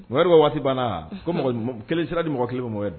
Waati banna wa ko kelen sira ni mɔgɔ kelen mɔgɔ wɛrɛ